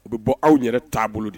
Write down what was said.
U bɛ bɔ aw yɛrɛ taabolo bolo de